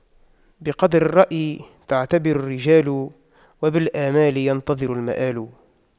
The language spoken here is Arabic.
بقدر الرأي تعتبر الرجال وبالآمال ينتظر المآل